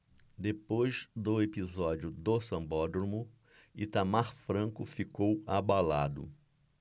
depois do episódio do sambódromo itamar franco ficou abalado